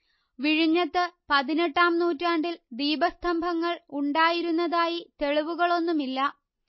വിഴിഞ്ഞത്ത് പതിനെട്ടാം നൂറ്റാണ്ടിൽ ദീപസ്തംഭങ്ങൾ ഉണ്ടായിരുന്നതായി തെളിവുകളൊന്നുമില്ല